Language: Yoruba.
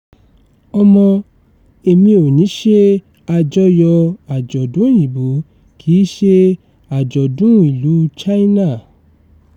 Ọmọ: Èmi ò ní ṣe àjọyọ̀ àjọ̀dún Òyìnbó kì í ṣe àjọ̀dún ìlúu China.